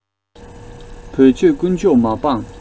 བོད ཆོས དཀོན མཆོག མ སྤངས